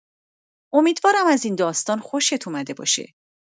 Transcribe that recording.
امیدوارم از این داستان خوشت اومده باشه.